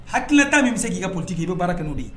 Hala tan min bɛ k' ka politigi k i bɛ baara kɛ n' de ye